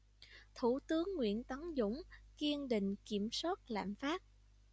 thủ tướng nguyễn tấn dũng kiên định kiểm soát lạm phát